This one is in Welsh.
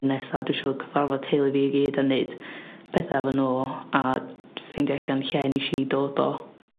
Nesa dwi isio cyfarfod teulu fi i gyd a neud petha efo n'w a ffeindio allan lle nish i dod o.